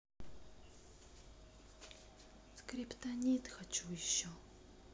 скриптонит хочу еще